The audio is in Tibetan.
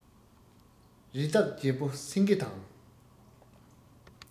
རི དྭགས རྒྱལ པོ སེང གེ དང